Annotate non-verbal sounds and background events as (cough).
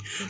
(hesitation)